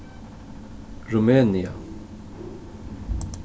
rumenia